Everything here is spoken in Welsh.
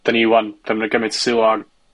'Dan ni ŵan cymryd gymaint o sylw ar